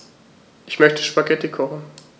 Ich möchte Spaghetti kochen.